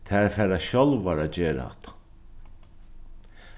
tær fara sjálvar at gera hatta